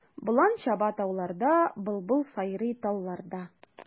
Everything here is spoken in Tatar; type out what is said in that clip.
Болан чаба тауларда, былбыл сайрый талларда.